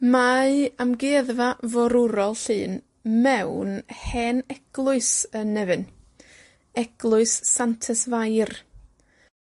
Mae Amgueddfa Forwrol Llŷn mewn hen eglwys yn Nefyn, Eglwys Santes Fair.